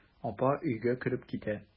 Апа өйгә кереп китә.